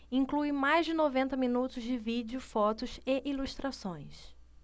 inclui mais de noventa minutos de vídeo fotos e ilustrações